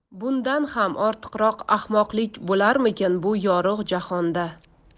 bundan ham ortiqroq ahmoqlik bo'larmikin bu yorug' jahonda